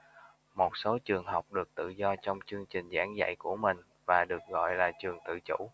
một số trường học được tự do trong chương trình giảng dạy của mình và được gọi là trường tự chủ